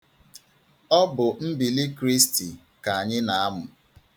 Ọ bụ mbili kristi ka anyị na-amụ.